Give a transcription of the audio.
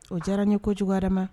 O diyara n ye ko jugu wɛrɛrɛ ma